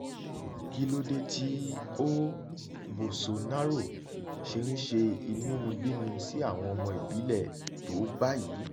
Kí ló dé tí ó [Bolsonaro] ṣe ń ṣe inúnibíni sí àwọn ọmọ ìbílẹ̀ tó báyìí?